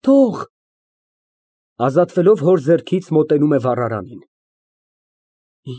Թող։ (Ազատվելով հոր ձեռքից, մոտենում է վառարանին)։